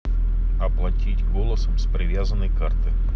оплатить голосом с привязанной карты